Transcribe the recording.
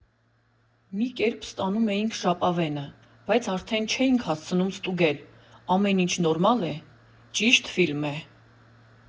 Մի կերպ ստանում էինք ժապավենը, բայց արդեն չէինք հասցնում ստուգել՝ ամեն ինչ նորմա՞լ է, ճի՞շտ ֆիլմ է։